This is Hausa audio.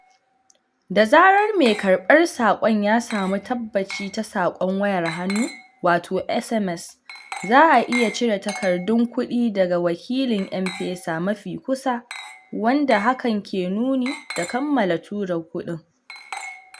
Da zarar mai karɓar saƙon ya samu tabbaci ta saƙon wayar hannu, wato SMS, za a iya cire takardun kuɗi daga wakilin M-PESA mafi kusa, wanda hakan ke nuni da kammala tura kuɗin.